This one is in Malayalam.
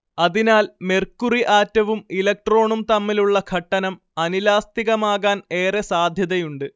അതിനാൽ മെർക്കുറി ആറ്റവും ഇലക്ട്രോണും തമ്മിലുള്ള ഘട്ടനം അനിലാസ്തികമാകാൻ ഏറെ സാധ്യതയുണ്ട്